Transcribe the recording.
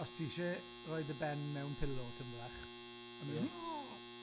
Os ti isie roi dy ben mewn pillow tym bach, a myn' .